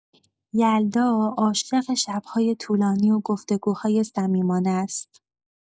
یلدا عاشق شب‌های طولانی و گفت‌وگوهای صمیمانه است.